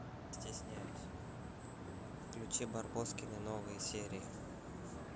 включи барбоскины новые серии